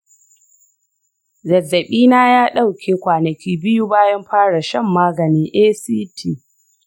zazzabina ya ɗauke kwanaki biyu bayan fara shan maganin act.